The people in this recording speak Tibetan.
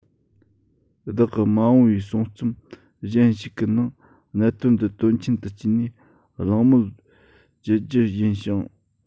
བདག གི མ འོངས པའི གསུང རྩོམ གཞན ཞིག གི ནང གནད དོན འདི དོན ཆེན དུ བརྩིས ནས གླེང མོལ བགྱི རྒྱུ ཡིན ཞིང